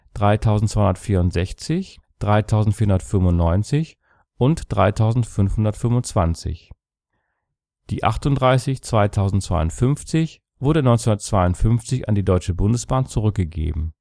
3264, 3495 und 3525. Die 38 2052 wurde 1952 an die Deutsche Bundesbahn zurückgegeben